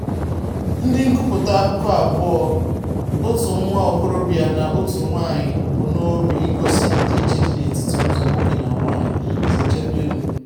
Ndị ngụpụta akụkọ abụọ, otu nwa okorobịa na otu nwaanyị, bu n'obi igosi ndịiche dị n'etiti ụzọ nwoke na nwaanyị si echekwa ego.